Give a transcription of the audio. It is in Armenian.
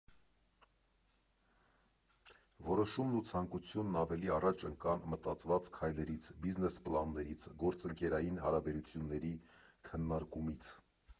Որոշումն ու ցանկությունն ավելի առաջ ընկան մտածված քայլերից, բիզնես պլաններից, գործընկերային հարաբերությունների քննարկումից։